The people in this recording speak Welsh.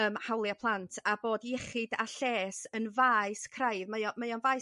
yym hawlia' plant a bod iechyd a lles yn faes craidd mae o mae o'n faes